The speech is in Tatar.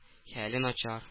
Хәле начар